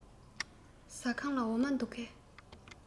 ཟ ཁང ལ འོ མ འདུག གས